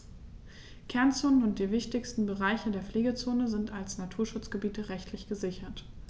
Kernzonen und die wichtigsten Bereiche der Pflegezone sind als Naturschutzgebiete rechtlich gesichert.